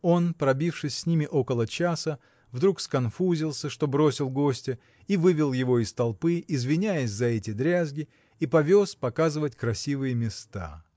Он, пробившись с ними около часа, вдруг сконфузился, что бросил гостя, и вывел его из толпы, извиняясь за эти дрязги, и повез показывать красивые места.